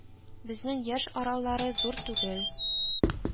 Безнең яшь аралары зур түгел